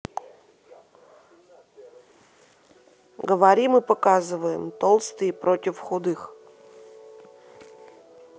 говорим и показываем толстые против худых